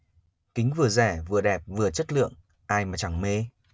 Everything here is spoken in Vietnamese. kính vừa rẻ vừa đẹp vừa chất lượng ai mà chẳng mê